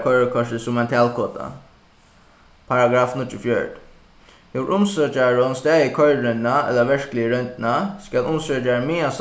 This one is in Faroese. koyrikortið sum ein talkoda paragraff níggjuogfjøruti hevur umsøkjarin staðið koyriroyndina ella verkligu royndina skal umsøkjarin meðan